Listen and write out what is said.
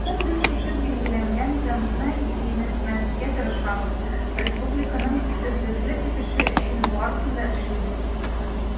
Бүген без шушы билгеләнгән темпны киметмәскә тырышабыз, республиканың эзлекле үсеше өчен барысын да эшлибез.